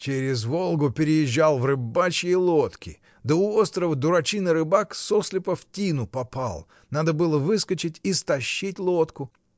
— Через Волгу переезжал в рыбачьей лодке, да у острова дурачина рыбак сослепа в тину попал: надо было выскочить и стащить лодку.